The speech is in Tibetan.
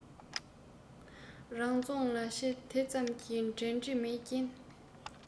རང རྫོང ལས ཕྱི དེ ཙམ གྱི འབྲེལ འདྲིས མེད རྐྱེན